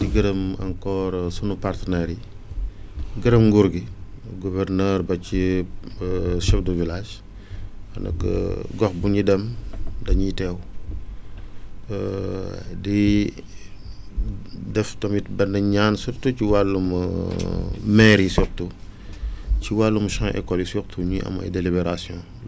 di gërëm encore sunu partenaires yigërëm nguur gi gouverneur ba ci chef de village ma ne ko gox bu ñu dem dañuy teew di def tamit benn ñaan surtout ci wàllum maires yi surtout ci wàllum champs école yi surtout ñut am ay délibération